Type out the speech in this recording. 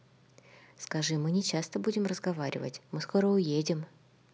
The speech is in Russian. скажи мы не часто будем разговаривать мы скоро уедем